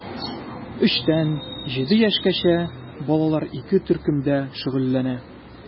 3 тән 7 яшькәчә балалар ике төркемдә шөгыльләнә.